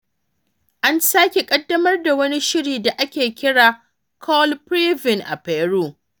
An sake ƙaddamar da wani shiri da ake kira 'Cell-PREVEN' a Peru.